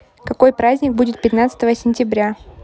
какой праздник будет пятнадцатого сентября